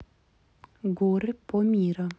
горы по мира